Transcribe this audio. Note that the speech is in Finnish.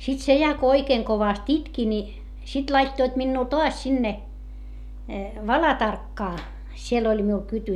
sitten se ja kun oikein kovasti itki niin sitten laittoivat minua taas sinne Valatarkkaan siellä oli minulla kyty